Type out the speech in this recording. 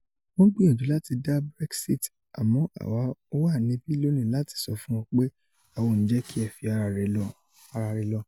Wọ́n ń gbìyànjù láti da Brexit àmọ́ àwa wà níbí lónìí láti sọ fún wọn pé,' Àwa ò ní jẹ́ kí ẹ fi ara re lọ'.